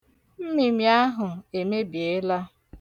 Mmịmị ahụ emebiela.